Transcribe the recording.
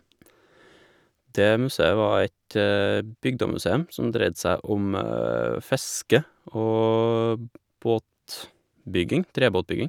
Det museet var et bygdemuseum som dreide seg om fiske og båtbygging trebåtbygging.